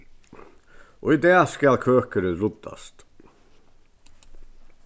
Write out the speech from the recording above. í dag skal køkurin ruddast